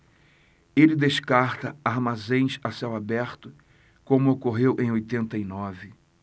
ele descarta armazéns a céu aberto como ocorreu em oitenta e nove